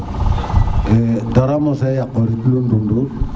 dara mose yako rit lul ndundur